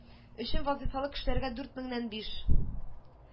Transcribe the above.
Өчен вазыйфалы кешеләргә дүрт меңнән биш